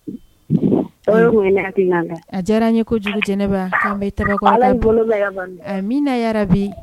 A diyara ye kojugu jɛnɛ min ya bi